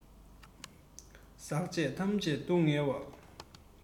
ཟག བཅས ཐམས ཅད སྡུག བསྔལ བ